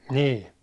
niin